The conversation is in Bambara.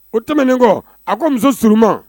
O tɛmɛnen kɔ a ko muso surunma